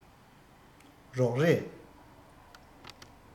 རོགས རེས